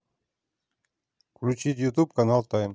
включить ютуб канал райм